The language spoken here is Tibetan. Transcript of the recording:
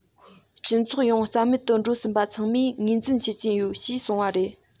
སྤྱི ཚོགས ཡོངས རྩ མེད དུ འགྲོ སྲིད པ ཚང མས ངོས འཛིན བྱེད ཀྱི ཡོད ཅེས གསུངས པ རེད